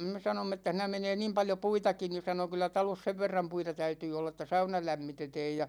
me sanoimme että siinä menee niin paljon puitakin niin sanoi kyllä talossa sen verran puita täytyy olla että sauna lämmitetään ja